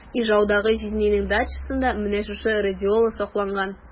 Ижаудагы җизнинең дачасында менә шушы радиола сакланган.